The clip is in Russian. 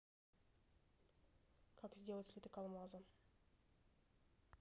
как сделать слиток алмаза